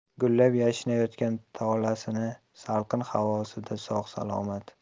gullab yashnayotgan tolosning salqin havosida sog' salomat